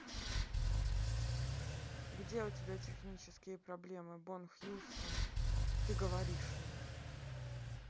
где у тебя технические проблемы бон хьюстон ты говоришь мне